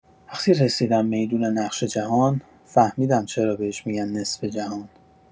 وقتی رسیدم می‌دون نقش جهان، فهمیدم چرا بهش می‌گن نصف جهان.